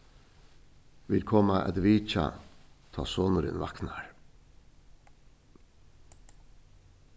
vit koma at vitja tá sonurin vaknar